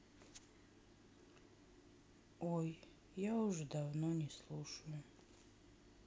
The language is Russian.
ой я уже давно не слушаю